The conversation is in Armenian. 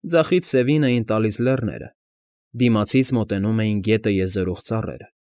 Ձախից սևին էին տալիս լեռները, դիմացից մոտենում էին գետը եզերող ծառերը։